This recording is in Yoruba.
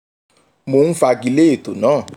Mò ń fagi lé ètò náà.